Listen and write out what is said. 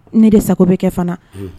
Ne de sago bɛ kɛ fana